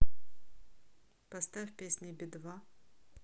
поставь песни би два